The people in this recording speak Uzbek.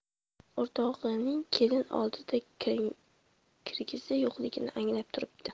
o'rtog'ining kelin oldiga kirgisi yo'qligini anglab turibdi